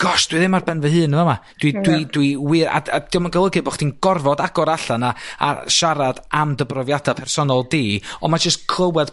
gosh dwi ddim ar ben fy hun yn fama. Dwi dwi dwi i wir... A a 'dio' yn golygu bo' chdi'n gorfod agor allan a a siarad am dy brofiada' personol di, ond ma' jyst clywed